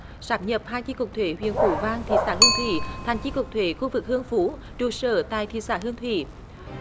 sáp nhập hai chi cục thuế huyện phú vang thị xã hương thủy thành chi cục thuế khu vực hương phú trụ sở tại thị xã hương thủy